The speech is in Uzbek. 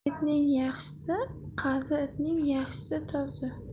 etning yaxshisi qazi itning yaxshisi tozi